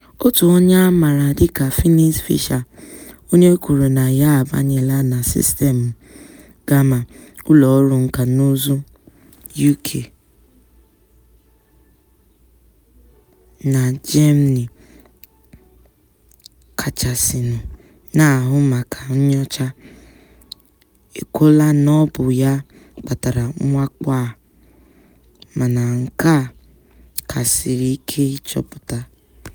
Otu onye a maara dịka "Phineas Fisher", onye kwuru na ya abanyela na sistemụ Gamma, ụlọọrụ nkànaụzụ UK na Germany kachasịnụ na-ahụ maka nnyocha, ekwuola na ọ bụ ya kpatara mwakpo a, mana nke a ka siri ike ịchọpụta.